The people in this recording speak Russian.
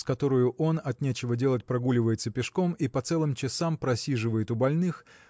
с которой он от нечего делать прогуливается пешком и по целым часам просиживает у больных